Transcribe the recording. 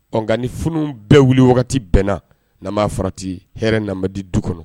Nkaga ni f bɛɛ wuli wagati bɛɛna na'a fɔra ten hɛ na di du kɔnɔ